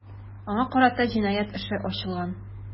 Аңа карата җинаять эше ачылган.